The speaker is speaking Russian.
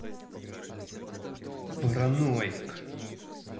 параноик